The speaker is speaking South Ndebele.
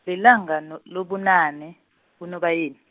lilanga no- nobunane, kuNobayeni.